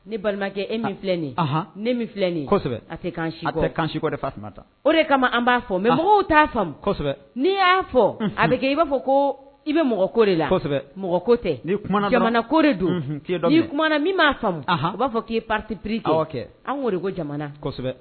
Ne balimakɛ e min filɛ ne o de kama an b'a fɔ mɛ mɔgɔw t' n'i y'a fɔ a bɛ i b'a fɔ ko i bɛ mɔgɔ ko de la jamana ko don iumana min'a faamu b' fɔ k'i papri kɛ an ko jamana